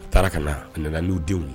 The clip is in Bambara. U taara ka na. Q nana nu denw ye.